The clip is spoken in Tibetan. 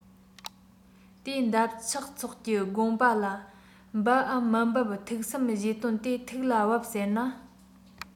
དེ འདབ ཆགས ཚོགས ཀྱི དགོངས པ ལ འབབ བམ མི འབབ ཐུགས བསམ བཞེས དོན དེ ཐུགས ལ བབས ཟེར ན